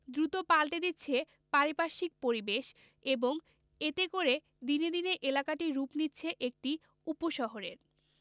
দ্রুত পাল্টে দিচ্ছে পারিপার্শ্বিক পরিবেশ এবং এতে করে দিনে দিনে এলাকাটি রূপ নিচ্ছে একটি উপশহরের